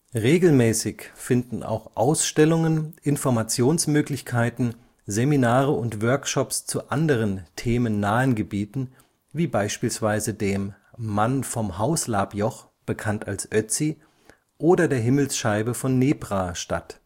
Regelmäßig finden auch Ausstellungen, Informationsmöglichkeiten, Seminare und Workshops zu anderen themennahen Gebieten, wie beispielsweise dem Mann vom Hauslabjoch (bekannt als Ötzi) oder der Himmelsscheibe von Nebra, statt